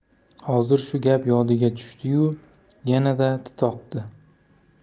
hozir shu gap yodiga tushdiyu yanada tutoqdi